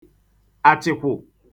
Achịkwụ